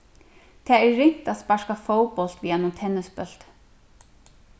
tað er ringt at sparka fótbólt við einum tennisbólti